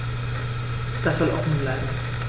Das soll offen bleiben.